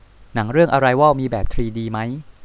หนังเรื่องอะไรวอลมีแบบทรีดีมั้ย